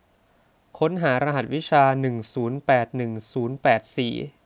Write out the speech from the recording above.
ค้นหารหัสวิชาหนึ่งศูนย์แปดหนึ่งศูนย์แปดสี่